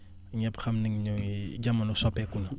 ñëpp xam nañ ne jamono soppeeku na